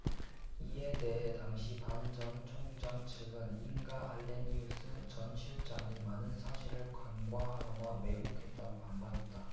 이에 대해 당시 반 전 총장 측은 잉가 알레니우스 전 실장이 많은 사실을 간과하거나 왜곡했다고 반박했다